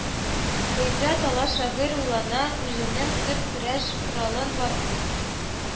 Гыйбрәт ала шагыйрь, уйлана, үзенең төп көрәш коралын барлый: